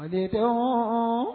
Mɔ tɛ